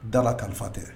Da la kalifa tɛ